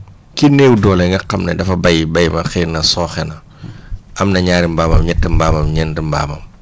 ki néew doole nga xam ne dafa béy béy ba xëy na sooxe na am na ñaari mbaamam ñetti mbaamam ñeenti mbaamam